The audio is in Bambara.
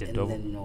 Tɛ to